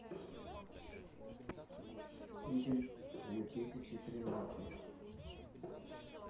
кивин две тысячи тринадцать